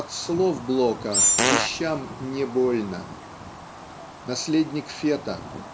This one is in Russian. От слов Блока вещам не больно. Наследник Фета